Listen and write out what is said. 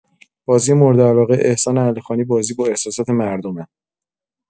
بازی موردعلاقه احسان علیخانی بازی با احساسات مردمه